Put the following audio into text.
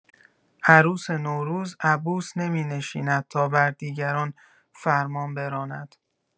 عروس نوروز، عبوس نمی‌نشیند تا بر دیگران فرمان براند.